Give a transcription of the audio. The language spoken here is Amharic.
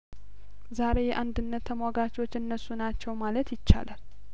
ዛሬ የአንድነት ተሟጋቾች እነሱ ናቸው ማለት ይቻላል